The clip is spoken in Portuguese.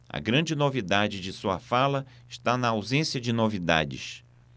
a grande novidade de sua fala está na ausência de novidades